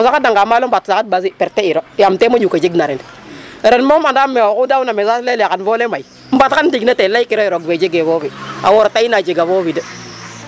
O saxadanga maalo mbaa o saxad ɓasi perte'iro yaam ten moƴu ke jegna ren, ren moom andaam ee oxu daawna message layel ee xan foof le may mbaat xan ndiig ne teel laykiro yee roog fe jegee foofi a woorata in ee a jega foofi de .